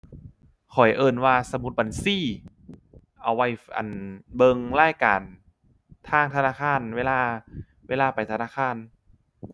ข้อยเอิ้นว่าสมุดบัญชี เอาไว้ อั่น เบิ่งรายการทางธนาคารเวลา เวลาไปธนาคาร